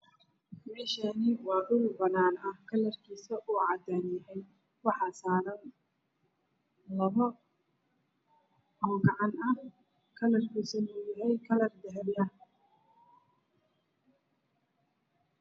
Meeshaan waa dhul banaan ah kalarkiisu waa cadaan waxaa saaran labo gacan oo ah kalarkiisa dahabi.